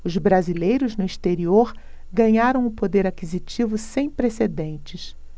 os brasileiros no exterior ganharam um poder aquisitivo sem precedentes